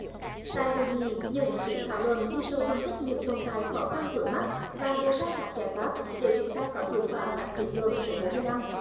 tại hội nghị nhiều ý kiến thảo luận đi sâu phân tích những tồn tại khó khăn vướng mắc và đề ra các giải pháp để triển khai có hiệu quả các kết luận số bốn mươi lăm